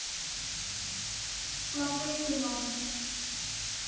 смотреть кино